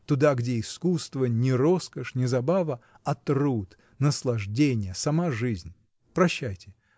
— туда, где искусство — не роскошь, не забава — а труд, наслаждение, сама жизнь! Прощайте!